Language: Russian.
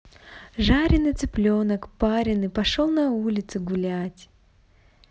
жареный цыпленок пареный пошел на улицу гулять